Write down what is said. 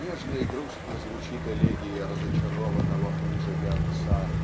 нежно и грустно звучит элегия разочарованного мужа и отца